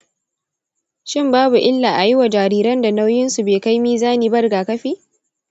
shin babu illa ayi wa jariran da nauyin su be kai mizani ba rigakafi?